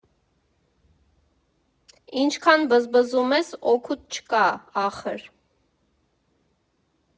Ինչքան բզբզում ես, օգուտ չկա, ախր…